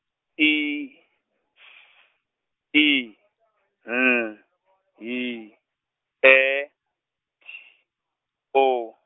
I , S, I , N, Y, E, T, O.